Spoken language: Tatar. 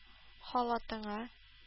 Халатыңа